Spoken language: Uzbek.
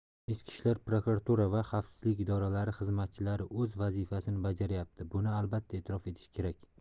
ichki ishlar prokuratura va xavfsizlik idoralari xizmatchilari o'z vazifasini bajaryapti buni albatta e'tirof etish kerak